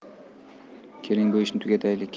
keling bu ishni tugataylik